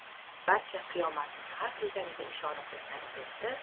barcha qiyomatning haq ekaniga ishonib turgan kezda